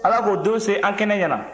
ala k'o don se an kɛnɛ ɲɛna